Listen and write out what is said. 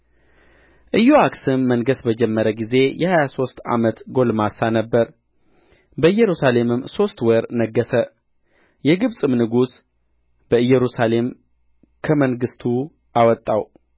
ኢዮአክስም መንገሥ በጀመረ ጊዜ የሀያ ሦስት ዓመት ጕልማሳ ነበረ በኢየሩሳሌምም ሦስት ወር ነገሠ የግብጽም ንጉሥ በኢየሩሳሌም ከመንግሥቱ አወጣው